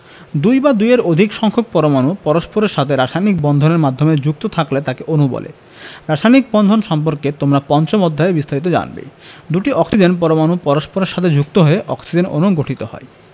দুই বা দুইয়ের অধিক সংখ্যক পরমাণু পরস্পরের সাথে রাসায়নিক বন্ধন এর মাধ্যমে যুক্ত থাকলে তাকে অণু বলে রাসায়নিক বন্ধন সম্পর্কে তোমরা পঞ্চম অধ্যায়ে বিস্তারিত জানবে দুটি অক্সিজেন পরমাণু পরস্পরের সাথে যুক্ত হয়ে অক্সিজেন অণু গঠিত হয়